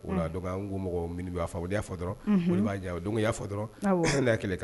O an ko mɔgɔ'a fɔ o y'a dɔrɔn b'a diya o don y'a fɔ dɔrɔn hɛrɛ n'a kɛlɛ kɛ